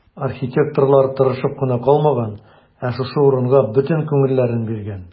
Архитекторлар тырышып кына калмаган, ә шушы урынга бөтен күңелләрен биргән.